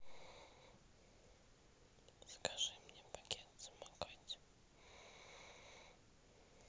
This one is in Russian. закажи мне багет в самокате